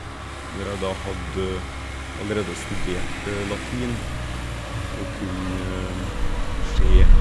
Når jeg da hadde allerede studert latin, å kunne se...